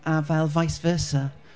A fel vice versa.